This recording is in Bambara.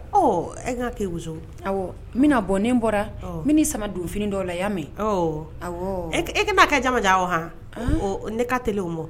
Ɔ e ka kɛ ke n bɛna bɔnen bɔra min sama donf dɔ la y'a mɛn e'a kɛ jama diya o h ne ka t o ma